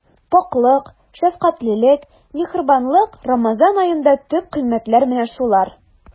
Пакьлек, шәфкатьлелек, миһербанлык— Рамазан аенда төп кыйммәтләр менә шулар.